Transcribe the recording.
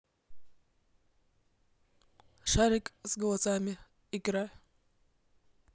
шарик с глазами игра